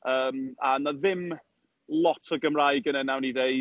Yym, a oedd 'na ddim lot o Gymraeg yna, wnawn ni ddeud.